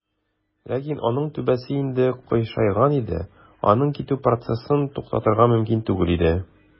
Ләкин аның түбәсе инде "кыйшайган" иде, аның китү процессын туктатырга мөмкин түгел иде.